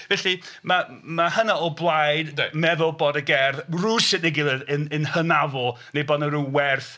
Felly ma' ma' hynna o blaid... yndi. ...meddwl bod y gerdd rywsut neu gilydd yn yn hynafol neu bod 'na ryw werth...